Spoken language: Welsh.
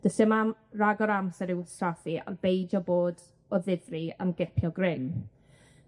Does dim am- ragor o amser i'w straffu, o beidio bod o ddifri am gipio grym.